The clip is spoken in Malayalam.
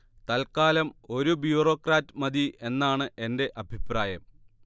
തൽക്കാലം ഒരു ബ്യൂറോക്രാറ്റ് മതി എന്നാണ് എന്റെ അഭിപ്രായം